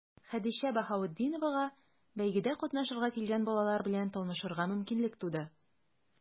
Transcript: Хәдичә Баһаветдиновага бәйгедә катнашырга килгән балалар белән танышырга мөмкинлек туды.